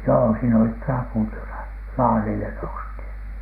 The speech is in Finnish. joo siinä olivat raput - ylälaarille noustiin